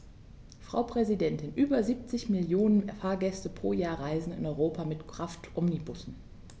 Frau Präsidentin, über 70 Millionen Fahrgäste pro Jahr reisen in Europa mit Kraftomnibussen.